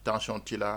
Taa sɔn t' la